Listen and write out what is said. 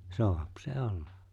saa se olla